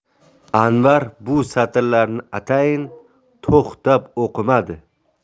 anvar bu satrlarni atayin to'xtab o'qimadi